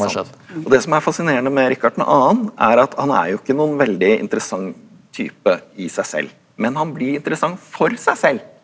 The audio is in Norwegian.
og det som er fasinerende med Rikard den annen er at han er jo ikke noen veldig interessant type i seg selv, men han blir interessant for seg selv.